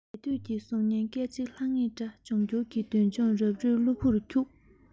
འདས དུས ཀྱི གཟུགས བརྙན སྐད ཅིག ལྷང ངེར བཀྲ འབྱུང འགྱུར གྱི མདུན ལྗོངས རབ རིབ གློ བུར འཁྱུགས